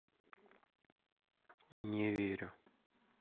не верю